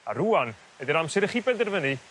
a rŵan ydi'r amser i chi benderfynu